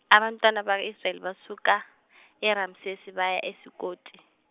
abantwana bakwa Israyeli basuka eRamsesi baya eSukoti.